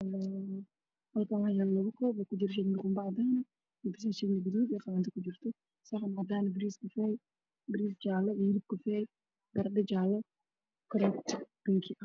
Halkaan waxaa ka muuqdo bariis guduud iyo cagaar iyo hilib iskugu jiro iyo maraq ag yaalo iyo jibsi guduud iyo jaalo